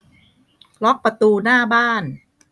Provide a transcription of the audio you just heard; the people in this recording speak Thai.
ล็อกประตูหน้าบ้าน